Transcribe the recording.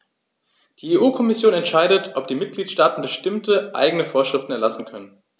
Die EU-Kommission entscheidet, ob die Mitgliedstaaten bestimmte eigene Vorschriften erlassen können.